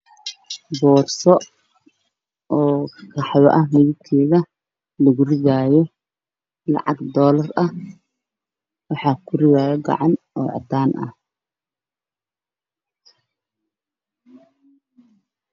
Waa boorso midabkeeda qaxwi yahay oo lagu ridaayo lacag